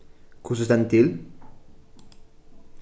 hvussu stendur til